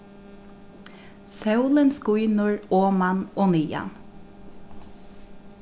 sólin skínur oman og niðan